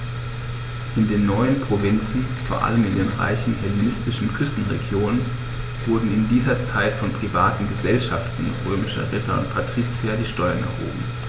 In den neuen Provinzen, vor allem in den reichen hellenistischen Küstenregionen, wurden in dieser Zeit von privaten „Gesellschaften“ römischer Ritter und Patrizier die Steuern erhoben.